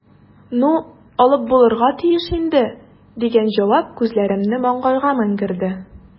"ну, алып булырга тиеш инде", – дигән җавап күзләремне маңгайга менгерде.